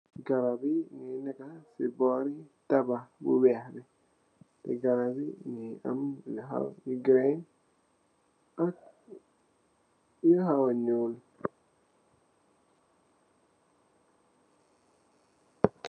Garab yi mungi am ci bori tabakh bu weex. Ci garap yi mungi am lu green, mungi hawa ñuul.